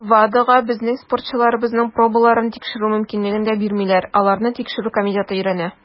WADAга безнең спортчыларыбызның пробаларын тикшерү мөмкинлеген дә бирмиләр - аларны Тикшерү комитеты өйрәнә.